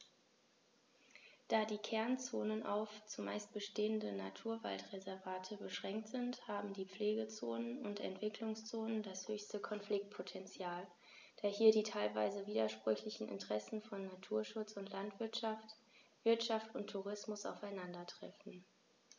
Da die Kernzonen auf – zumeist bestehende – Naturwaldreservate beschränkt sind, haben die Pflegezonen und Entwicklungszonen das höchste Konfliktpotential, da hier die teilweise widersprüchlichen Interessen von Naturschutz und Landwirtschaft, Wirtschaft und Tourismus aufeinandertreffen.